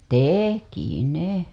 teki ne